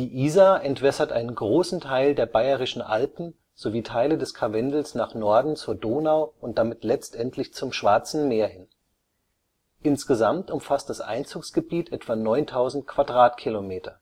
Isar entwässert einen großen Teil der Bayerischen Alpen sowie Teile des Karwendels nach Norden zur Donau und damit letztendlich zum Schwarzen Meer hin. Insgesamt umfasst das Einzugsgebiet etwa 9000 Quadratkilometer